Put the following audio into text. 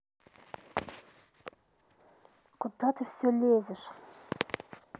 куда ты все лезешь